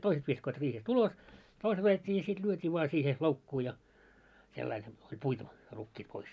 toiset viskoivat riihestä ulos toiset ajettiin ja sitten lyötiin vain siihen loukkuun ja sillä lailla oli puitu rukiit pois